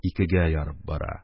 Икегә ярып бара.